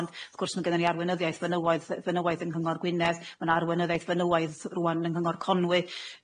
ond wrth gwrs ma' gynnon ni arweinyddiaeth fenywaidd yy fenywaidd yng nghyngor Gwynedd ma' na arweinyddiaeth fenywaidd rŵan yng nghyngor Conwy,